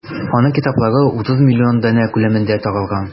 Аның китаплары 30 миллион данә күләмендә таралган.